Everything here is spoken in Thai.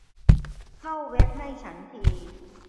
เข้าเว็บให้ฉันที